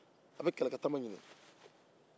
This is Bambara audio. a bɛ kɛlɛkɛtama ɲini